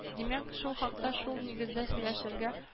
Димәк, шул хакта, шул нигездә сөйләшергә